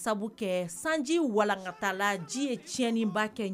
Sabu kɛɛ sanji walankatala ji ye tiɲɛniba kɛ